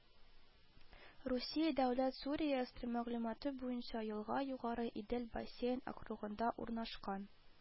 Русия дәүләт су реестры мәгълүматы буенча елга Югары Идел бассейн округында урнашкан